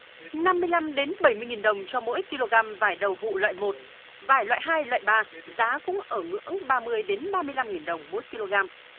năm mươi lăm đến bảy mươi nghìn đồng cho mỗi ki lô gam vải đầu vụ lợi một vài loại hai loại ba giá cũng ở ngưỡng ba mươi đến ba mươi lăm nghìn đồng mỗi ki lô gam